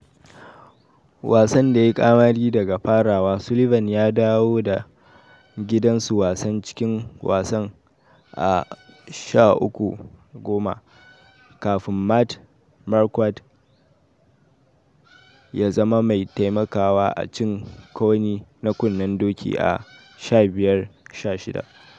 wasan da yayi kamari daga farawa, Sullivan ya dawo da gidan su wasan cikin wasan a 13:10 kafin Matt Marquardt ya zama mai taimakawa a cin Cownie' na kunnen doki a 15:16.